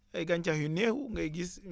ay gàncax yu néew ngay gis